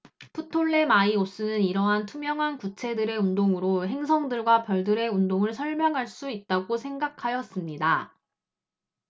프톨레마이오스는 이러한 투명한 구체들의 운동으로 행성들과 별들의 운동을 설명할 수 있다고 생각하였습니다